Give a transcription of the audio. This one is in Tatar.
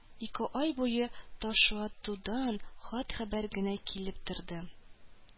Ике ай буе ташлытаудан хат-хәбәр генә килеп торды: